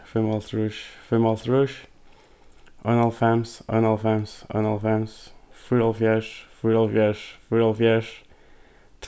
fimmoghálvtrýss fimmoghálvtrýss einoghálvfems einoghálvfems einoghálvfems fýraoghálvfjerðs fýraoghálvfjerðs fýraoghálvfjerðs